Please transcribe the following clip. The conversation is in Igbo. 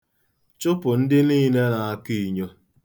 Chụpụ ndị niile na-akọ inyo.